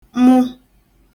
-mụ